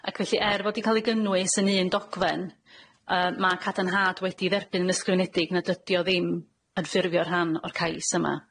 Ac felly er fod 'di ca'l ei gynnwys yn un dogfen, yy ma' cadarnhad wedi'i dderbyn yn ysgrifenedig nad ydi o ddim yn ffurfio rhan o'r cais yma.